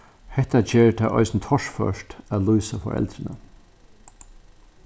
hetta ger tað eisini torført at lýsa foreldrini